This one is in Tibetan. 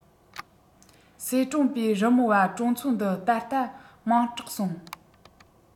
གསེས ཀྲོང པའི རི མོ བ གྲོང ཚོ འདི ད ལྟ མིང གྲགས སོང